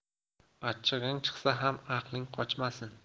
achchig'ing chiqsa ham aqling qochmasin